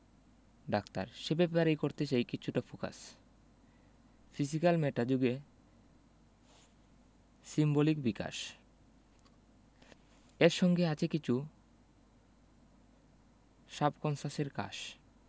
doctor সে ব্যাপারেই করতে চাই কিছুটা ফোকাস ফিজিক্যাল মেটা যোগে সিম্বলিক বিকাশ এর সঙ্গে আছে কিছু সাবকন্সাসের কাশ